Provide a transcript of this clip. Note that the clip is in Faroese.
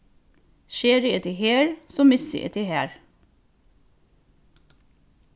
skeri eg teg her so missi eg teg har